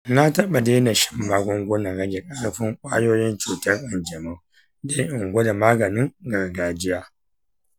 na taɓa daina shan magungunan rage ƙarfin ƙwayoyin cutar kanjamau don in gwada maganin gargajiya.